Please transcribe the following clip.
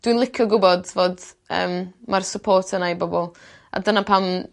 dwi'n licio gwbod fod yym ma'r support yna i bobol a dyna pam